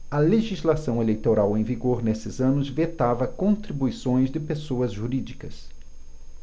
a legislação eleitoral em vigor nesses anos vetava contribuições de pessoas jurídicas